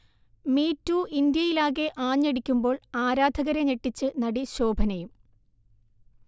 me too ഇന്ത്യയിലാകെ ആഞ്ഞടിക്കുമ്പോൾ ആരാധകരെ ഞെട്ടിച്ച് നടി ശോഭനയും